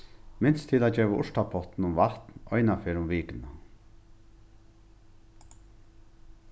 minst til at geva urtapottinum vatn einaferð um vikuna